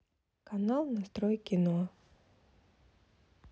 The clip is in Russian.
канал настрой кино